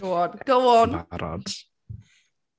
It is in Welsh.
Go on, go on!... Fi'n barod.